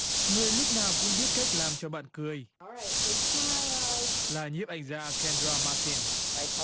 người lúc nào cũng biết cách làm cho bạn cười là nhiếp ảnh gia ken ra ma tin